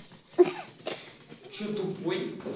че тупой